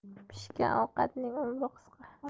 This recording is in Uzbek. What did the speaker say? pishgan ovqatning umri qisqa